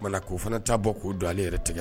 'o fana taa bɔ k'o don ale yɛrɛ tigɛ